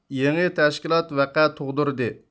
يېڭى تەشكىلات ۋەقە تۇغدۇردى